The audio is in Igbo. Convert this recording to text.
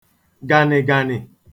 gànị̀gànị̀